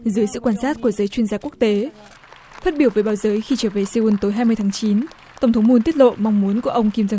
dưới sự quan sát của giới chuyên gia quốc tế phát biểu với báo giới khi trở về xê un tối hai mươi tháng chín tổng thống mun tiết lộ mong muốn của ông kim giông